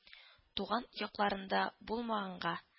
Туган якларында булмаганга